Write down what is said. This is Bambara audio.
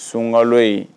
Sunkala ye